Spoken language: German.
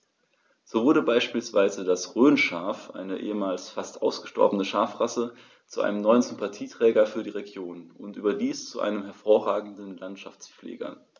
So wurde beispielsweise das Rhönschaf, eine ehemals fast ausgestorbene Schafrasse, zu einem neuen Sympathieträger für die Region – und überdies zu einem hervorragenden Landschaftspfleger.